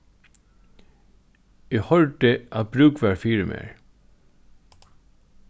eg hoyrdi at brúk var fyri mær